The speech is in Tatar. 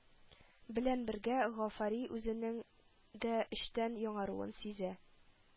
Белән бергә гарәфи үзенең дә эчтән яңаруын сизә